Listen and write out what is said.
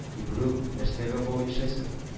— ибрук, нәрсәгә бау ишәсең